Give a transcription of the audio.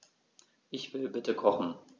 Ich will bitte kochen.